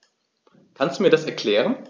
Kannst du mir das erklären?